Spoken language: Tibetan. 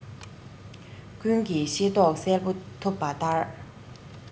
ཀུན གྱིས ཤེས རྟོགས གསལ པོ ཐུབ པ ལྟར